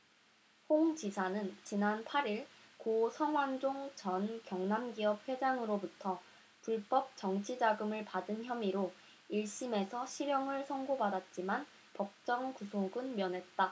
홍 지사는 지난 팔 일 고 성완종 전 경남기업 회장으로부터 불법 정치자금을 받은 혐의로 일 심에서 실형을 선고받았지만 법정 구속은 면했다